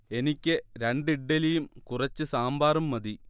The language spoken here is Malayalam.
എനിക്ക് രണ്ട് ഇഡ്ഢലിയും കുറച്ച് സാമ്പാറും മതി